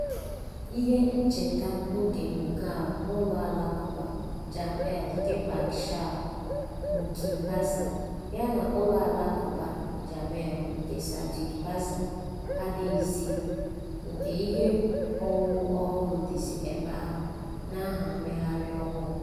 Ihe ncheta oge Mughal n'Ụlọ Alakụba Jam-e nke Bangshal Mukim Bazar yana Ụlọ Alakuba Jam-e nke Saddique Bazar adịghịzị nke ihe owuwu ọhụrụ dịzị ebe ahụ n'aha mmegharị ọhụrụ.